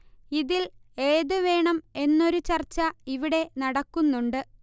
ഇതിൽ ഏതു വേണം എന്നൊരു ചർച്ച ഇവിടെ നടക്കുന്നുണ്ട്